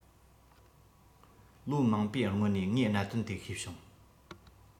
ལོ མང པོའི སྔོན ནས ངས གནད དོན དེ ཤེས བྱུང